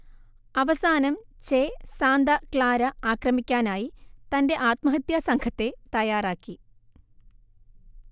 അവസാനം Che Santa Clara ആക്രമിക്കാനായി തന്റെ ആത്മഹത്യാ സംഘത്തെ തയ്യാറാക്കി